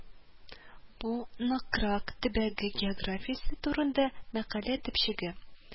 Бу Нократ төбәге географиясе турында мәкалә төпчеге